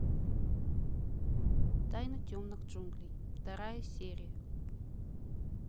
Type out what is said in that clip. тайны темных джунглей вторая серия